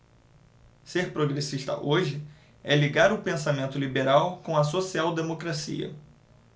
ser progressista hoje é ligar o pensamento liberal com a social democracia